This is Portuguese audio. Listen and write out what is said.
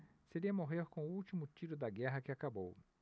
seria morrer com o último tiro da guerra que acabou